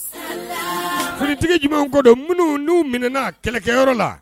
Finitigi jumɛn ko don minnu n'u minɛɛna kɛlɛkɛyɔrɔ la!